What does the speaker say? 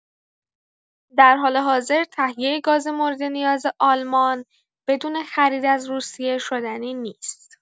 در حال حاضر تهیه گاز مورد نیاز آلمان بدون خرید از روسیه شدنی نیست.